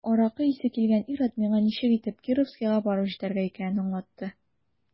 Аракы исе килгән ир-ат миңа ничек итеп Кировскига барып җитәргә икәнен аңлата.